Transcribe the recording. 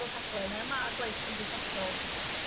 ...y rhaglen Em A gwaith cymdeithasol